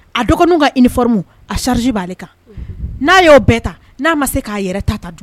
A dɔgɔninw ka uniforme a charge b'ale kan, n'a y'o bɛɛ ta, n'a ma se k'a yɛrɛ ta ta dun.